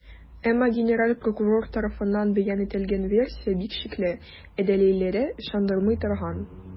Әмма генераль прокурор тарафыннан бәян ителгән версия бик шикле, ә дәлилләре - ышандырмый торган.